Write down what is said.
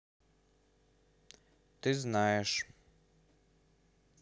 ты знаешь